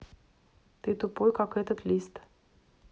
ты тупой как этот лист